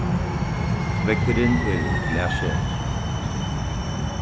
veggurin er úr glasi